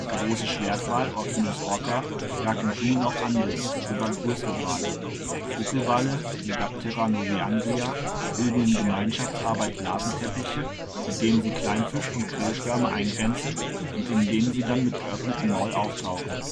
Große Schwertwal (Orcinus orca) jagt in Schulen auch andere, sogar größere Wale. Buckelwale (Megaptera novaeanglia) bilden in Gemeinschaftsarbeit Blasenteppiche, mit denen sie Kleinfisch - und Krillschwärme eingrenzen und in denen sie dann mit geöffnetem Maul auftauchen